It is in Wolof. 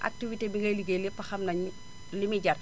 activité bi ngay ligéey lépp xam nañu li li muy jar